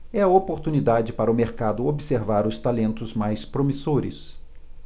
é a oportunidade para o mercado observar os talentos mais promissores